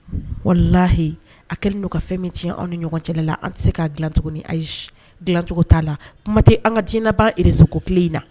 Walahi a kɛlen don ka fɛn min cɛn anw ni ɲɔgɔn cɛla la an tɛ se ka dilan tuguni. Ayi ,dilan cogo t'a la. kuma tɛ an ka diɲɛ laban reseau tile in na